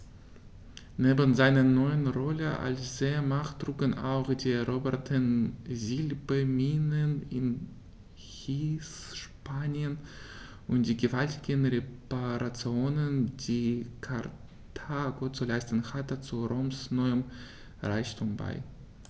Neben seiner neuen Rolle als Seemacht trugen auch die eroberten Silberminen in Hispanien und die gewaltigen Reparationen, die Karthago zu leisten hatte, zu Roms neuem Reichtum bei.